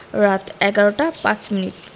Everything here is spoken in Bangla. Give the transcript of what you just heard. রাত ১১টা ৫ মিনিট